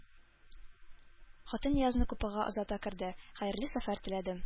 Хатын Ниязны купега озата керде, хәерле сәфәр теләде